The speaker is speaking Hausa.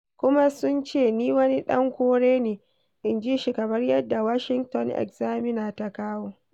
Kuma sun ce ni wani dan kore ne," inji shi kamar yadda Washington Examiner ta kawo.